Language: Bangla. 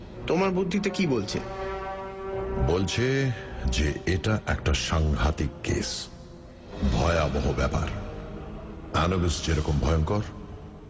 তোমার বুদ্ধিতে কী বলছে বলছে যে এটা একটা সাংঘাতিক কেস ভয়াবহ ব্যাপার আনুবিস যেরকম ভয়ঙ্কর